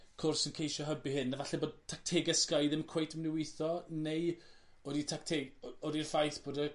cwrs yn ceisio hybu hyn a falle bod tactegau Sky ddim cweit myn' i witho neu odi tecteg- o- odi'r ffaith bod y